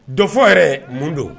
Dɔfɔ yɛrɛ mun don